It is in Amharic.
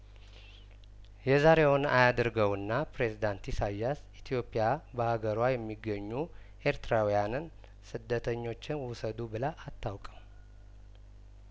የዛሬውን አያድርገውና ፕሬዚዳንት ኢሳይያስ ኢትዮጵያ በሀገሯ የሚገኙ ኤርትራውያንን ስደተኞችን ውሰዱ ብላ አታውቅም